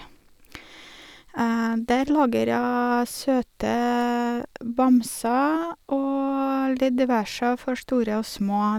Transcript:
Der lager jeg søte bamser og litt diverse for store og små.